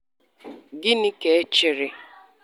Gịnị ka ị chere?